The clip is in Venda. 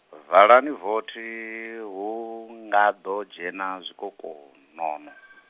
valani vothi hu ngado dzhena zwikhokhonono